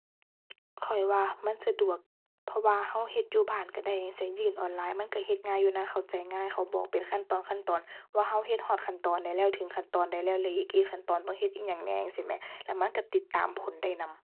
ข้อยว่ามันสะดวก เพราะว่าเราเฮ็ดอยู่บ้านเราได้จั่งซี้ ยื่นออนไลน์มันเราเฮ็ดง่ายอยู่นะ เข้าใจง่าย เขาบอกเป็นขั้นตอนขั้นตอน ว่าเราเฮ็ดฮอดขั้นตอนใดแล้ว ถึงขั้นตอนใดแล้ว เหลืออีกกี่ขั้นตอนต้องเฮ็ดอิหยังแหน่จั่งซี้แหม แล้วมันเราติดตามผลได้นำ